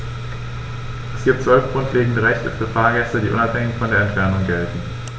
Es gibt 12 grundlegende Rechte für Fahrgäste, die unabhängig von der Entfernung gelten.